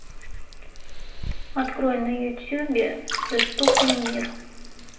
открой на ютубе доступный мир